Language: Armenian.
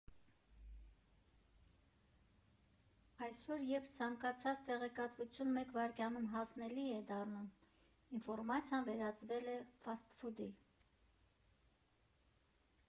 «Այսօր, երբ ցանկացած տեղեկատվություն մեկ վայրկյանում հասանելի է դառնում, ինֆորմացիան վերածվել է ֆասթ ֆուդի»։